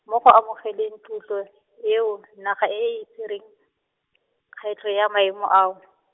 mo go amogeleng tlotlo, eo, naga e e tsere, kgwetlho ya maemo ao .